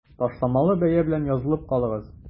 Ташламалы бәя белән язылып калыгыз!